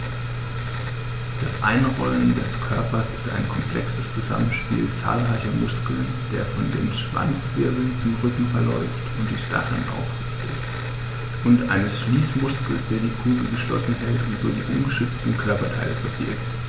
Das Einrollen des Körpers ist ein komplexes Zusammenspiel zahlreicher Muskeln, der von den Schwanzwirbeln zum Rücken verläuft und die Stacheln aufrichtet, und eines Schließmuskels, der die Kugel geschlossen hält und so die ungeschützten Körperteile verbirgt.